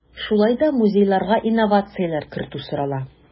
Шулай да музейларга инновацияләр кертү сорала.